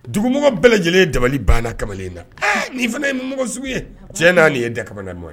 Dugumɔgɔ bɛɛ lajɛlen ye dabali banna kamalen na nii fana ye mɔgɔ sugu ye cɛ n'a nin ye da kamalen ye